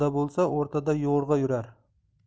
bo'lsa o'rtada yo'ig'a yurar